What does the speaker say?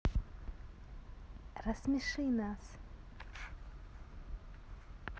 рассмеши нас